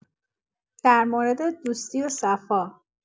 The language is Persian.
در مورد دوستی و صفا